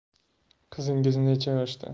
qizingiz necha yoshda